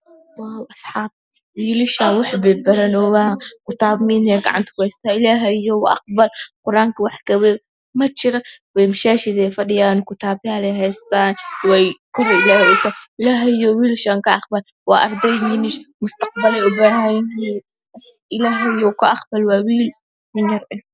Asaxabta wilashan waxbey baranayaankitaban beygacarakahestaan ilahayow aqbal qurankawax kawenmajiro masajid deyfadhiyan kutabyaleyhestaan wey ilahey yow wiilashan ka Aqbal waa Arday mustaqbaley ubahanyihiin illaheyow ka Aqbal waa wiilal yar yarah